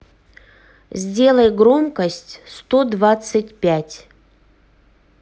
сделай громкость сто двадцать пять